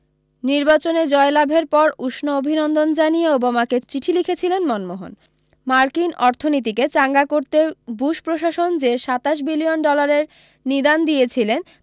নির্বাচনে জয় লাভের পর উষ্ণ অভিনন্দন জানিয়ে ওবামাকে চিঠি লিখেছিলেন মনমোহন মার্কিন অর্থনীতিকে চাঙ্গা করতে বুশ প্রশাসন যে সাতশ বিলিয়ন ডলারের নিদান দিয়েছিলেন